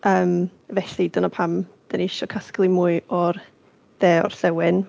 Ymm, felly dyna pam dan ni isio casglu mwy o'r De Orllewin.